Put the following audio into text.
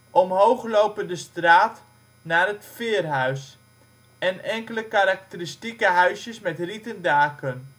Omhoog lopende straat naar het Veerhuis. Enkele karakteristieke huisjes met rieten daken